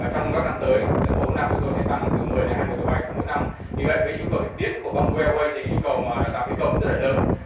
và trong các năm tới mỗi năm chúng tôi sẽ tăng từ mười đến hai mươi tàu bay mỗi năm vì vậy với nhu cầu thực tiễn của bam bô e uây thì nhu cầu mà đào tạo phi công rất là lớn